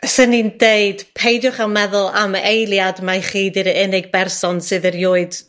Fysan i'n deud peidiwch â meddwl am eiliad mae chi 'di'r unig berson sydd erioed